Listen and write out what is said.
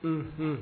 H